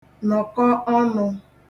nọ̀kọ ọnụ̄